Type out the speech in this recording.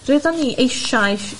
Rydan ni eisiau